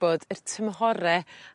bod y tymhore